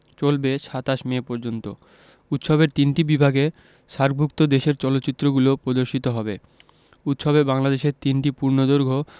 চলবে ২৭ মে পর্যন্ত উৎসবের তিনটি বিভাগে সার্কভুক্ত দেশের চলচ্চিত্রগুলো প্রদর্শিত হবে উৎসবে বাংলাদেশের ৩টি পূর্ণদৈর্ঘ্য